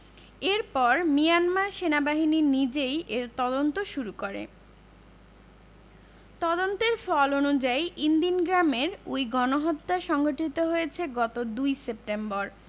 এরপর মিয়ানমার সেনাবাহিনী নিজেই এর তদন্ত শুরু করে তদন্তের ফল অনুযায়ী ইনদিন গ্রামের ওই গণহত্যা সংঘটিত হয়েছে গত ২ সেপ্টেম্বর